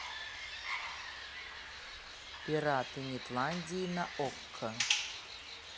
пираты нетландии на окко